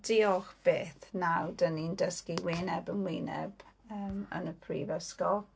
Diolch byth, nawr dan ni'n dysgu wyneb yym yn wyneb yn y prifysgol.